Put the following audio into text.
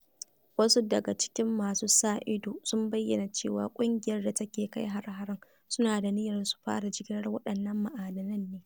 Wasu daga cikin masu sa ido sun bayyana cewa ƙungiyar da take kai hare-haren suna da niyyar su fara jigilar waɗannan ma'adanan ne.